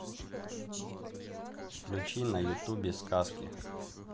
включи на ютубе сказки